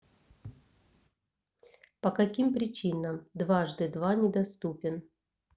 по каким причинам дважды два не доступен